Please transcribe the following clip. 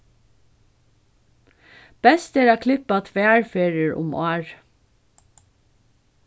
best er at klippa tvær ferðir um árið